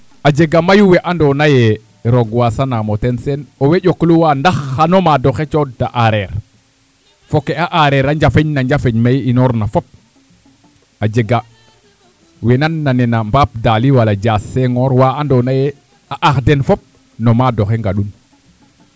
a jega mayu we andoona yee roog waasanaam o ten Sene owey njookluwa ndax xano maad oxe cooɗta aareer fo ke aareer a njafeñna njafeñ me i inoor na fop a jega we nand nena Mbap Daly wala Dias Senghor wa andoona yee a ax den fop no maado xe ngadun